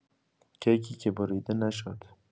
کیکی که بریده نشد.